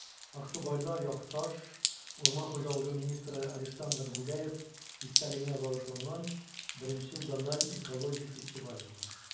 Аксубайда якташ, урман хуҗалыгы министры Александр Гуляев истәлегенә багышланган I зональ экологик фестиваль булды